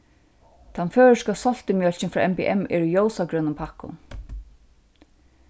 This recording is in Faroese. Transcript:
tann føroyska soltimjólkin frá mbm er í ljósagrønum pakkum